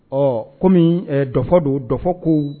Ɔ kɔmi dɔ don dɔ ko